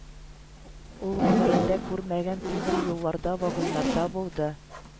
Ул гомерендә күрмәгән тимер юлларда, вагоннарда булды